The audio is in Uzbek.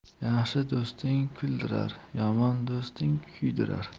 yaxshi do'sting kuldirar yomon do'sting kuydirar